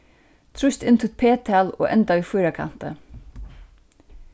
trýst inn títt p-tal og enda við fýrakanti